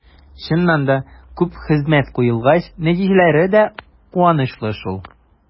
Чыннан да, күп хезмәт куелгач, нәтиҗәләр дә куанычлы шул.